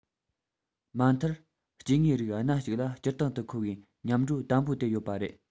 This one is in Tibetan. མ མཐར སྐྱེ དངོས རིགས སྣ གཅིག ལ སྤྱིར བཏང དུ མཁོ བའི མཉམ འགྲོ དམ པོ དེ ཡོད པ རེད